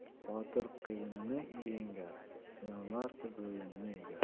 botir qiyinni yengar nomard bo'yinni egar